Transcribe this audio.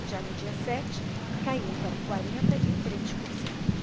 já no dia sete caiu para quarenta e três por cento